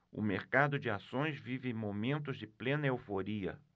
o mercado de ações vive momentos de plena euforia